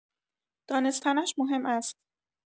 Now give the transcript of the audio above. دانستنش مهم است.